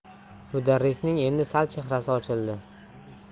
mudarrisning endi sal chehrasi ochildi